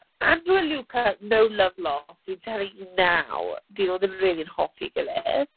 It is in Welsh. Andrew a Luca no love lost dwi'n telling you now 'dyn nhw ddim rili'n hoffi'i gilydd.